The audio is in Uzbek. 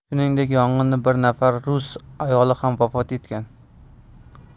shuningdek yong'inda bir nafar rus ayoli ham vafot etgan